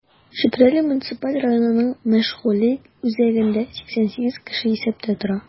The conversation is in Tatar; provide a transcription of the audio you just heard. Чүпрәле муниципаль районының мәшгульлек үзәгендә 88 кеше исәптә тора.